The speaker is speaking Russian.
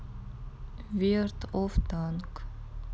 верд оф танк